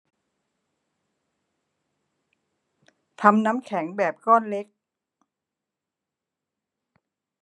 ทำน้ำแข็งแบบก้อนเล็ก